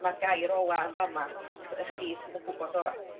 ma'r gair ola' yn fama chos y chi sydd yn gw'bod ora'.